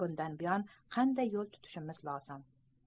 bundan buyon qanday yo'l tutishimiz lozim